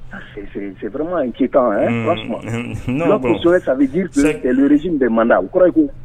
C'est vraiment inquiétant, franchement, ça veut dire que c'est le régime des mandats o kɔrɔ ye ko